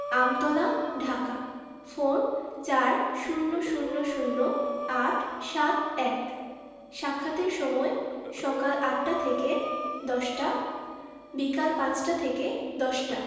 Amtala Dhaka phone ৪০০০ ৮৭১ সাক্ষাতের সময়ঃ সকাল ৮টা থেকে ১০টা বিকাল ৫টা থেকে ১০টা